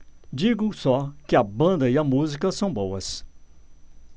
digo só que a banda e a música são boas